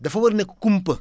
dafa war a nekk kumpa